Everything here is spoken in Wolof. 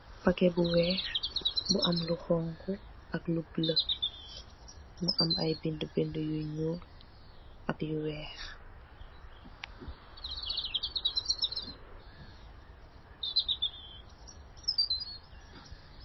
Paket bu weeh bu am lu xonxu, ak lu buleuh, mu am aye bindi bindi yu ñuul, ak lu weeh.